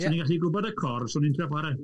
Swn i'n gallu gwybod y cord, swn i'n trio chwarae.